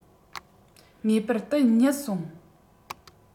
ངེས པར དེ གཉིད སོང